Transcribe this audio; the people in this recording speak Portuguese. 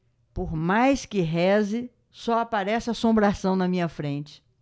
por mais que reze só aparece assombração na minha frente